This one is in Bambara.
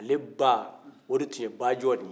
ale ba o de tun ye bajɔni ye